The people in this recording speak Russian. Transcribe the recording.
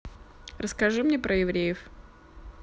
расскажи мне про евреев